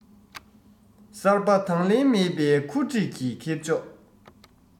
གསར པ དང ལེན མེད པའི ཁུ འཁྲིགས ཀྱི ཁེར ཕྱོགས